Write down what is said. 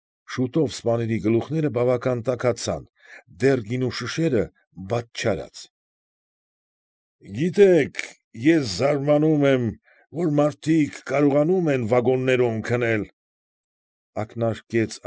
Շուտով սպաների գլուխները բավական տաքացան դեռ գինու շշերը բաց չարած։ ֊ Գիտեք, ես զարմանում եմ, որ մարդիկ կարողանում են վագոններում քնել,֊ ակնարկեց։